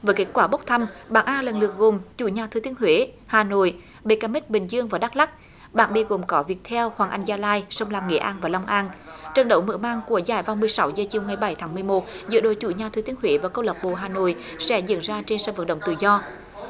với kết quả bốc thăm bảng a lần lượt gồm chủ nhà thừa thiên huế hà nội bê ca mếch bình dương và đắc lắc bảng bê gồm có việt theo hoàng anh gia lai sông lam nghệ an và long an trận đấu mở màn của giải vào mười sáu giờ chiều mười bảy tháng mười một giữa đội chủ nhà thừa thiên huế và câu lạc bộ hà nội sẽ diễn ra trên sân vận động tự do